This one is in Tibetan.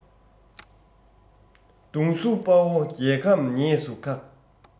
གདོང བསུ དཔའ བོ རྒྱལ ཁམས ཉེས སུ ཁག